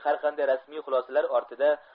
har qanday rasmiy xulosalar ortida